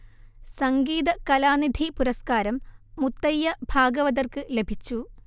സംഗീത കലാനിധി പുരസ്കാരം മുത്തയ്യാ ഭാഗതവർക്ക് ലഭിച്ചു